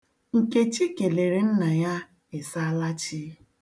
Nkechi kelere nna ya "ịsaalachi"